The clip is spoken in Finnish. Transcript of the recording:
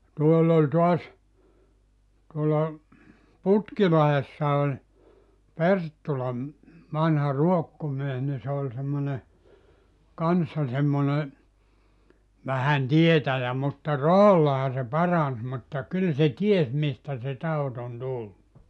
tuolla oli taas tuolla Putkilahdessa oli Perttula vanha ruokkomies niin se oli semmoinen kanssa semmoinen vähän tietäjä mutta rahallahan se paransi mutta kyllä se tiesi mistä se tauti on tullut